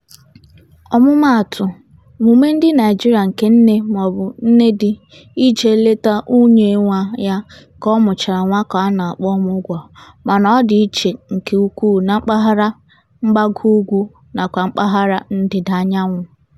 Ọmụmaatụ, omume ndị Naịjirịa nke nne maọbụ nne di ị jee leta nwunye nwa ya ka ọ mụchara nwa ka a na-akpọ omugwo, mana ọ dị iche nke ukwuu na mpaghara mgbagougwu nakwa na mpaghara ndịdaanyanwụ.